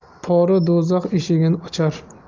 pora do'zax eshigini ochar